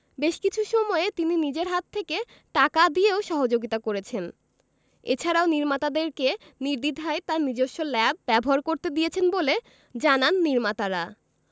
বেশ কিছু সময়ে তিনি নিজের হাত থেকে টাকা দিয়েও সহযোগিতা করেছেন এছাড়াও নির্মাতাদেরকে নির্দ্বিধায় তার নিজস্ব ল্যাব ব্যবহার করতে দিয়েছেন বলে জানান নির্মাতারা